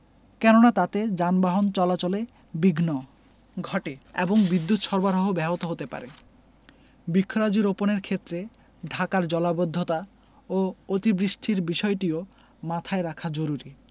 কেননা তাতে যানবাহন চলাচলে বিঘ্ন ঘটে এবং বিদ্যুত সরবরাহ ব্যাহত হতে পারে বৃক্ষরাজি রোপণের ক্ষেত্রে ঢাকার জলাবদ্ধতা ও অতি বৃষ্টির বিষয়টিও মাথায় রাখা জরুরী